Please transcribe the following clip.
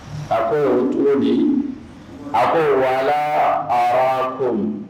A ko cogo di? A ko : walaa arakoum